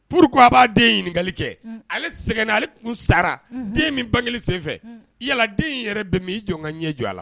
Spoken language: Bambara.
Pur ko a b'a den ɲini ɲininkakali kɛ ale sɛgɛn ale kun sara den min ban sen yaladen in yɛrɛ bɛ mini jɔ ka ɲɛ jɔ a la